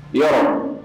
Hɛrɛ